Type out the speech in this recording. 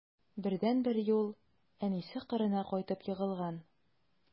Бердәнбер юл: әнисе кырына кайтып егылган.